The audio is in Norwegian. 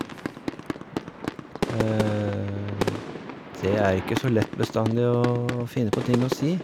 Det er ikke så lett bestandig å finne på ting å si.